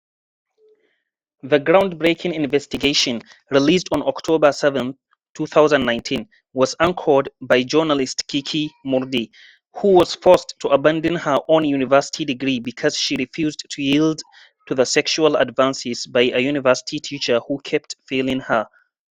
The groundbreaking investigation, released on October 7, 2019, was anchored by journalist Kiki Mordi, who was forced to abandon her own university degree because she refused to yield to the sexual advances by a university teacher who kept failing her: